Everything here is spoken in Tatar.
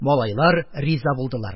Малайлар риза булдылар.